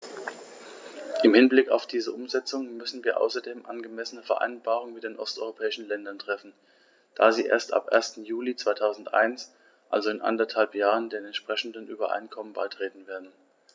Im Hinblick auf diese Umsetzung müssen wir außerdem angemessene Vereinbarungen mit den osteuropäischen Ländern treffen, da sie erst ab 1. Juli 2001, also in anderthalb Jahren, den entsprechenden Übereinkommen beitreten werden.